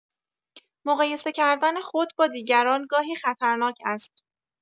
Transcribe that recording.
مقایسه کردن خود با دیگران گاهی خطرناک است.